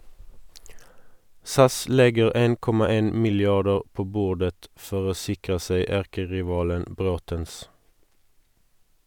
SAS legger 1,1 milliarder på bordet for å sikre seg erkerivalen Braathens.